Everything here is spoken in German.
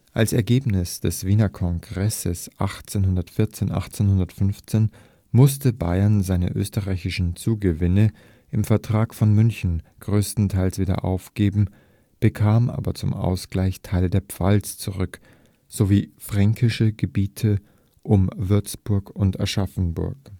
Als Ergebnis des Wiener Kongresses 1814 / 15 musste Bayern seine österreichischen Zugewinne im Vertrag von München großenteils wieder aufgeben, bekam aber zum Ausgleich Teile der Pfalz zurück sowie fränkische Gebiete um Würzburg und Aschaffenburg